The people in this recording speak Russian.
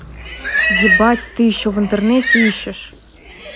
ебать ты еще в интернете ищешь